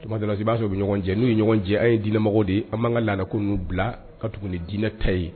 Tuma dɔ la, i b'a sɔrɔ o ye ɲɔgɔn jɛn, n'u ye ɲɔgɔn jɛn an ye diinɛ mɔgɔ de ye ,an b'an ka laada ko n'u bila ka tugu ni diinɛ ta ye